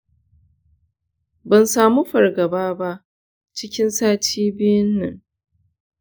ban samu fargaba ba cikin sati biyun nan.